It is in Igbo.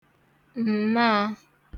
ǹnaā